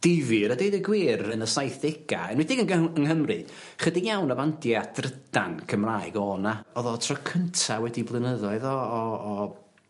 difyr a deud y gwir yn y saithdega enwedig yn gan- yng Nghymru chydig iawn o fandia drydan drydan Cymraeg o' 'na o'dd o tro cynta wedi blynyddoedd o o o